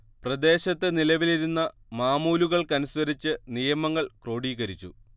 പ്രദേശത്ത് നിലവിലിരുന്ന മാമൂലൂകൾക്കനുസരിച്ച് നിയമങ്ങൾ ക്രോഡീകരിച്ചു